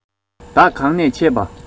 བདག གང ནས ཆས པ